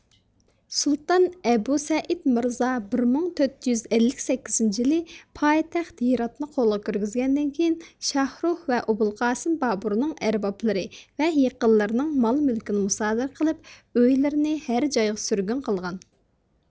سۇلتان ئەبۇسەئىدمىرزا بىر مىڭ تۆت يۈز ئەللىك سەككىزىنچى يىلى پايتەخت ھىراتنى قولغا كىرگۈزگەندىن كېيىن شاھروخ ۋە ئوبۇلقاسىم بابۇرنىڭ ئەربابلىرى ۋە يېقىنلىرىنىڭ مال مۈلكىنى مۇسادىرە قىلىپ ئۆيلىرىنى ھەر جايغا سۈرگۈن قىلغان